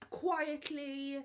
Quietly.